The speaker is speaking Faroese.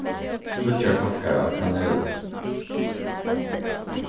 tríggjar pakkar av kaneli